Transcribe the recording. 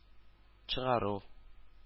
Чыгару